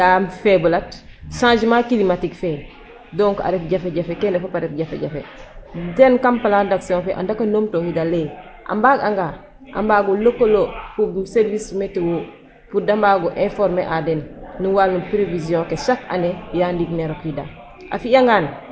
Changement climatique fe donc a ref jafe jafe kene fop a ref jafe jafe den kam plan d' action fe a ndaka numtooxiid a lay ee a mbaaganga a mbaag o lekalo fo service météo pour da mbaag o informer a den no walu prévision ke chaque année ya ndiiig ne rokiidaa